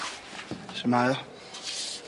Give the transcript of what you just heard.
Su mae o?